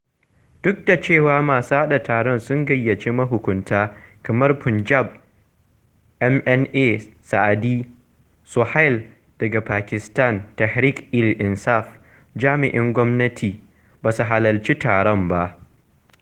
Duk da cewa masu haɗa taron sun gayyaci mahukunta, kamar Punjab MNA Saadia Sohail daga Pakistan Tehreek e Insaf, jami'an gwamnati ba su halarci taron ba.